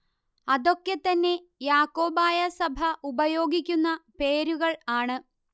അതൊക്കെ തന്നെ യാക്കോബായ സഭ ഉപയോഗിക്കുന്ന പേരുകൾ ആണ്